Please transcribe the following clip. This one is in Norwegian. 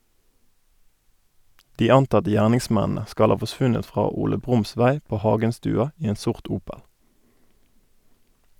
De antatte gjerningsmennene skal ha forsvunnet fra Ole Brumsvei på Haugenstua i en sort Opel.